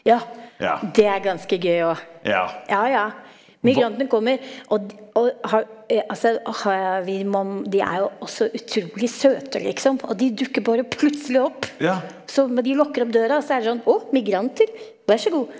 ja det er ganske gøy òg ja ja migrantene kommer, og og har altså vi må, de er jo også utrolig søte liksom, og de dukker bare plutselig opp så men de lukker opp døra så er det sånn å migranter, vær så god.